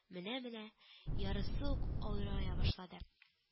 Менә-менә ярыйсы ук авырая башлады